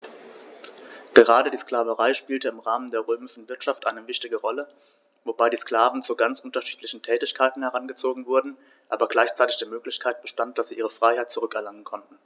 Gerade die Sklaverei spielte im Rahmen der römischen Wirtschaft eine wichtige Rolle, wobei die Sklaven zu ganz unterschiedlichen Tätigkeiten herangezogen wurden, aber gleichzeitig die Möglichkeit bestand, dass sie ihre Freiheit zurück erlangen konnten.